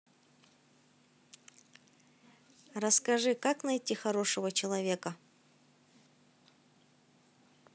расскажи как найти хорошего человека